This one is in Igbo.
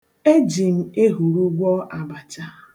E jim ehuru gwọọ abacha.